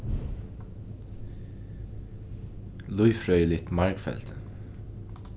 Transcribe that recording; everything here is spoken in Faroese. lívfrøðiligt margfeldi